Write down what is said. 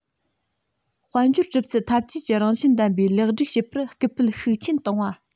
དཔལ འབྱོར གྲུབ ཚུལ འཐབ ཇུས ཀྱི རང བཞིན ལྡན པའི ལེགས སྒྲིག བྱེད པར སྐུལ སྤེལ ཤུགས ཆེན བཏང བ